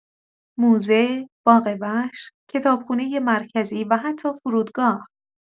موزه، باغ‌وحش، کتابخونۀ مرکزی و حتی فرودگاه!